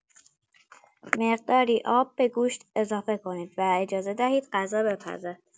مقداری آب به گوشت اضافه کنید و اجازه دهید غذا بپزد.